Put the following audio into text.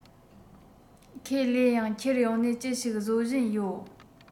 ཁས ལེན ཡང འཁྱེར ཡོང ནས ཅི ཞིག བཟོ བཞིན ཡོད